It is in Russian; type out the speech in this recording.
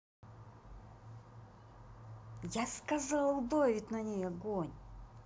я сказал убавить на ней огонь